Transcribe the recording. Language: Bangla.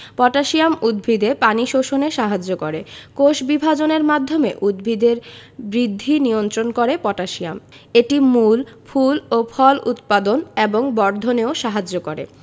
পটাশিয়াম উদ্ভিদে পানি শোষণে সাহায্য করে কোষবিভাজনের মাধ্যমে উদ্ভিদের বৃদ্ধি নিয়ন্ত্রণ করে পটাশিয়াম এটি মূল ফুল ও ফল উৎপাদন এবং বর্ধনেও সাহায্য করে